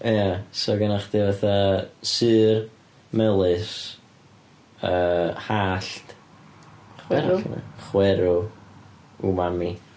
Ie, so gennych chdi fatha sur, melys, yy hallt... Chwerw... Chwerw, umami.